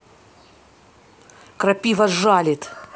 крапива жалит